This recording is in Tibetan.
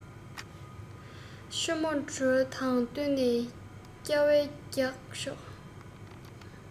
ཆུ མོའི འགྲོས དང བསྟུན ནས སྐྱ བའི རྒྱག ཕྱོགས